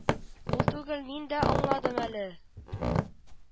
Ул түгел мин дә аңладым әле